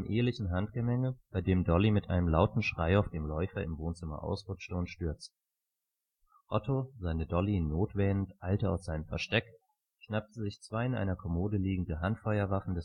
ehelichen Handgemenge, bei dem Dolly mit einem lauten Schrei auf dem Läufer im Wohnzimmer ausrutschte und stürzte. Otto, seine Dolly in Not wähnend, eilte aus seinem Versteck, schnappte sich zwei in einer Kommode liegende Handfeuerwaffen